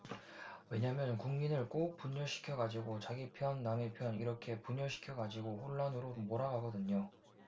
왜냐면 국민을 꼭 분열시켜가지고 자기 편 남의 편 이렇게 분열시켜가지고 혼란으로 몰아가거든요